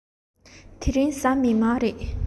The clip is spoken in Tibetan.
དེ རིང གཟའ མིག དམར རེད